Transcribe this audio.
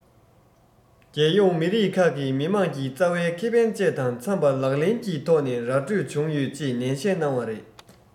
རྒྱལ ཡོངས མི རིགས ཁག གི མི དམངས ཀྱི རྩ བའི ཁེ ཕན བཅས དང འཚམས པ ལག ལེན གྱི ཐོག ནས ར འཕྲོད བྱུང ཡོད ཅེས ནན བཤད གནང བ རེད